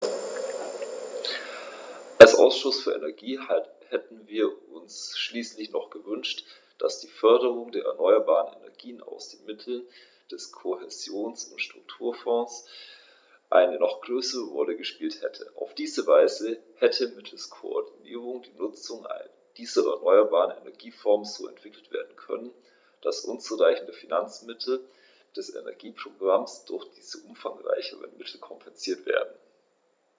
Als Ausschuss für Energie hätten wir uns schließlich noch gewünscht, dass die Förderung der erneuerbaren Energien aus den Mitteln des Kohäsions- und Strukturfonds eine noch größere Rolle gespielt hätte. Auf diese Weise hätte mittels Koordinierung die Nutzung dieser erneuerbaren Energieformen so entwickelt werden können, dass unzureichende Finanzmittel des Energieprogramms durch diese umfangreicheren Mittel kompensiert werden.